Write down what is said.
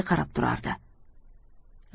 qarab turardi